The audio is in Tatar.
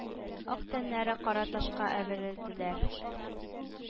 Ак тәннәре кара ташка әверелделәр